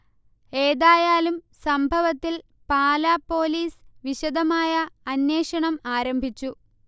ഏതായാലും സംഭവത്തിൽ പാലാ പോലീസ് വിശദമായ അന്വേഷണം ആരംഭിച്ചു